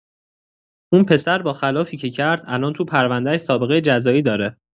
اون پسر با خلافی که کرد، الان تو پرونده‌اش سابقه جزایی داره.